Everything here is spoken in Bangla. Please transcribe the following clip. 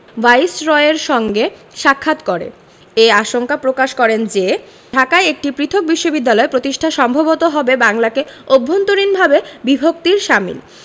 ভাইসরয়ের সঙ্গে সাক্ষাৎ করে এ আশঙ্কা প্রকাশ করেন যে ঢাকায় একটি পৃথক বিশ্ববিদ্যালয় প্রতিষ্ঠা সম্ভবত হবে বাংলাকে অভ্যন্তরীণভাবে বিভক্তির শামিল